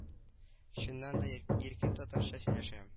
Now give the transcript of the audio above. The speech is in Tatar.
Чыннан да иркен татарча сөйләшә